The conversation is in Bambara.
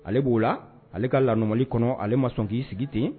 Ale b'o la ale ka kɔnɔ ale ma sɔn k'i sigi ten